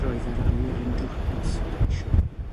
Roedd yr air yn drwchus o densiwn.